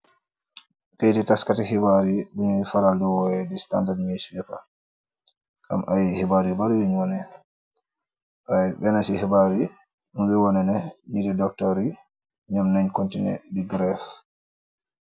Këyti taskati xibaar yi, buñuy faral diwooye di standard mus fepa, am ay xibaar yu baru yuñ wone, ay benn ci xibaar yi, mungi wone ne niri doktor yi, ñëm nañ kontinen bi grefe.